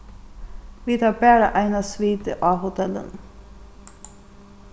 vit hava bara eina svitu á hotellinum